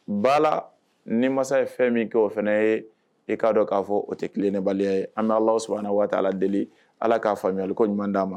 Bala ni masa ye fɛn min kɛ o fana ye e k ka dɔn k'a fɔ o tɛ tilebaliya ye an bɛ sɔrɔ an waati deli ala k'a faamuya ale ko ɲuman d'a ma